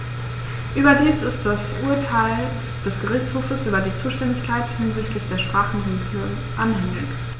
Überdies ist das Urteil des Gerichtshofes über die Zuständigkeit hinsichtlich der Sprachenregelung anhängig.